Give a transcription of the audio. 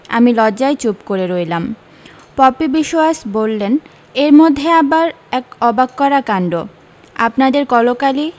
আমি লজ্জায় চুপ করে রইলাম পপি বিশোয়াস বললেন এর মধ্যে আবার এক অবাক করা কাণড আপনাদের কলকালি